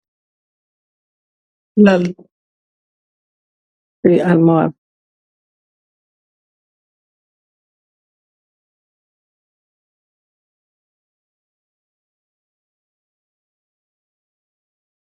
lal yu almuwaar